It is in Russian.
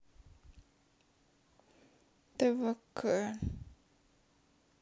тв к